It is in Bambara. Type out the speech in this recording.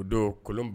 O don kolon